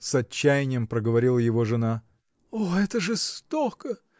-- с отчаяньем проговорила его жена, -- о, это жестоко!